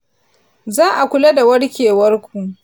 za'a kula da warkewarku